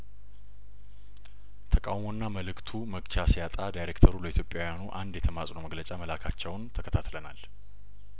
ተቃውሞና መልእክቱ መግቻ ሲያጣ ዳይሬክተሩ ለኢትዮጵያውያኑ አንድ የተማጽኖ መግለጫ መላካቸውን ተከታትለናል